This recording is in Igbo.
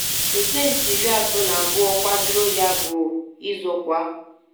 Pesentị Iri atọ na abụọ kwadoro yabụ ịzọ ọkwa.